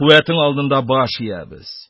Куәтең алыныңда баш иябез,